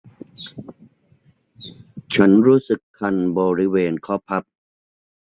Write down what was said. ฉันรู้สึกคันบริเวณข้อพับ